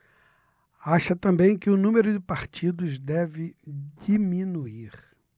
acha também que o número de partidos deve diminuir